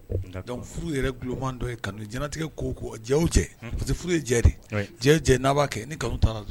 Dɔnkuc furu yɛrɛ kumandɔ kanu jɛnɛtigɛ ko ko ja cɛ parce que furu n' b'a kɛ ni kanu